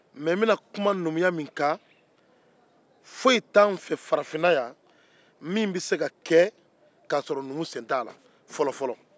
fɔlɔfɔlɔ foyi tun t'an fɛ farafinna yan min bɛ se ka kɛ ni numu sen t'a la